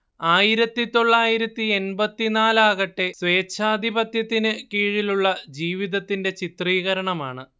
ആയിരത്തിതൊള്ളായിരത്തി എൺപത്തിനാലാകട്ടെ സ്വേച്ഛാധിപത്യത്തിന് കീഴിലുള്ള ജീവിതത്തിന്റെ ചിത്രീകരണമാണ്